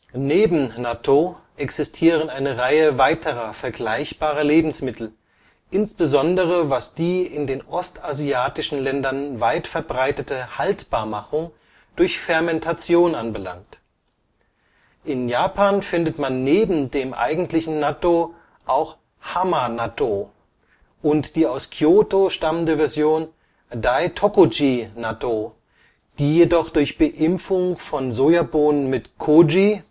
Neben Nattō existieren eine Reihe weiterer vergleichbarer Lebensmittel, insbesondere was die in den ostasiatischen Ländern weit verbreitete Haltbarmachung durch Fermentation anbelangt. In Japan findet man neben dem eigentlichen Nattō auch Hamanattō und die aus Kyōto stammende Version Daitokuji-Nattō, die jedoch durch Beimpfung von Sojabohnen mit Kōji